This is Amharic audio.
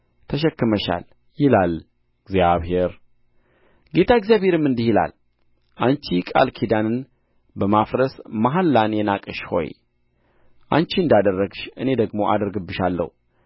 ተሸክመሻል ይላል እግዚአብሔር ጌታ እግዚአብሔርም እንዲህ ይላል አንቺ ቃል ኪዳንን በማፍረስ መሐላን የናቅሽ ሆይ አንቺ እንዳደረግሽ እኔ ደግሞ አደርግብሻለሁ